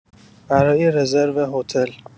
برای رزرو هتل